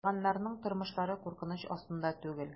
Калганнарның тормышлары куркыныч астында түгел.